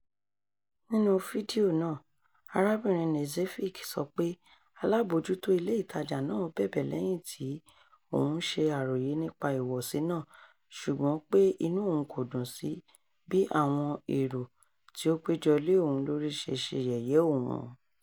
Nínú fídíò náà, arábìnrin Knežević sọ pé alábòójútó ilé ìtajà náà bẹ̀bẹ̀ lẹ́yìn tí òun ṣe àròyé nípa ìwọ̀sí náà, ṣùgbọ́n pé inú òun kò dùn sí bí àwọn èrò tí ó pé jọ lé òun lórí ṣe yẹ̀yẹ́ òun.